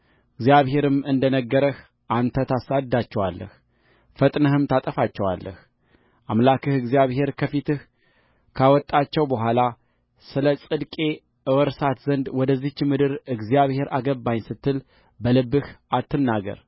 እግዚአብሔርም እንደ ነገረህ አንተ ታሳድዳቸዋለህ ፈጥነህም ታጠፋቸዋለህአምላክህ እግዚአብሔር ከፊትህ ካወጣቸው በኋላ ስለ ጽድቄ እወርሳት ዘንድ ወደዚች ምድር እግዚአብሔር አገባኝ ስትል በልብህ አትናገር